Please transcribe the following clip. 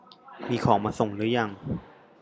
มีของมาส่งรึยัง